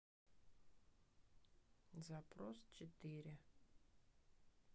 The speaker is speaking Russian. запрос четыре